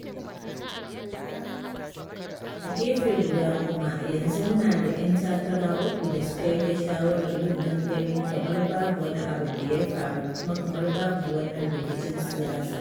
A gefe guda kuma, yanzu muna da ‘yan takara uku da suka yanke shawarar yin gangami kamar babu wani abu da ya faru kuma kamar babu wannan rikicin siyasa.